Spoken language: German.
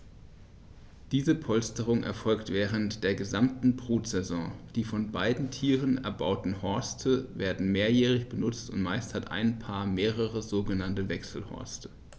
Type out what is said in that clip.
Diese Polsterung erfolgt während der gesamten Brutsaison. Die von beiden Tieren erbauten Horste werden mehrjährig benutzt, und meist hat ein Paar mehrere sogenannte Wechselhorste.